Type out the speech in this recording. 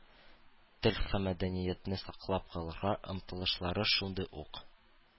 Тел һәм мәдәниятне саклап калырга омтылышлары шундый ук.